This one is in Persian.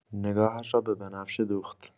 نگاهش را به بنفشه دوخت.